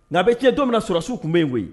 Nka a bɛ cɛ don min sɔrɔrasiw tun bɛ yen koyi.